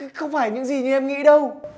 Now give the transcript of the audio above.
không phải những gì như em nghĩ đâu